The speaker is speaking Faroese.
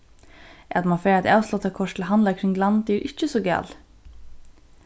at mann fær eitt avsláttarkort til handlar kring landið er ikki so galið